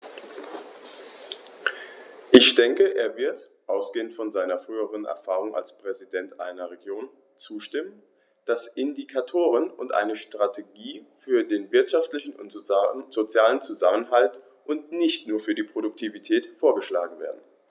Ich denke, er wird, ausgehend von seiner früheren Erfahrung als Präsident einer Region, zustimmen, dass Indikatoren und eine Strategie für den wirtschaftlichen und sozialen Zusammenhalt und nicht nur für die Produktivität vorgeschlagen werden.